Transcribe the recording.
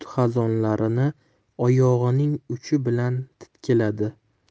xazonlarini oyog'ining uchi bilan titkiladi